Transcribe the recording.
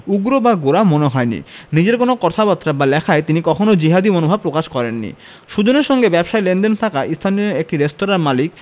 উগ্র বা গোঁড়া মনে হয়নি নিজের কোনো কথাবার্তা বা লেখায় তিনি কখনোই জিহাদি মনোভাব প্রকাশ করেননি সুজনের সঙ্গে ব্যবসায়িক লেনদেন থাকা স্থানীয় একটি রেস্তোরাঁর মালিক